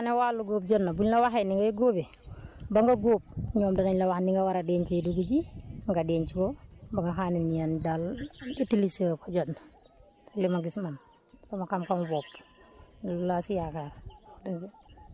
soo demee ba nga xam ne wàllu góob jot na buñ la waxee ni ngay góobee ba nga góob ñoom danañ la wax ni nga war a dencee dugub ji nga denc ko ba nga xam ne daal utiliser ko jot na si li ma gis man sama xam-xamu bopp loolu laa si yaakaar